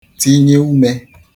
tinye umē